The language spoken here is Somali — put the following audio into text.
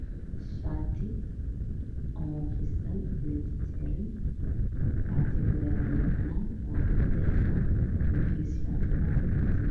Shaati oo fidsan oo yaalo meel banaan ah